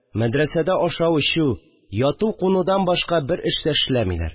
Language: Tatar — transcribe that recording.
Мәдрәсәдә ашау-эчү, яту-кунудан башка бер эш тә эшләмиләр